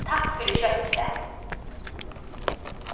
takk fyri skjótt svar